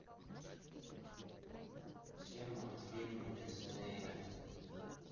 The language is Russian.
все мультфильмы диснея